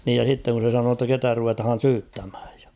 niin ja sitten kun se sanoi jotta ketä ruvetaan syyttämään ja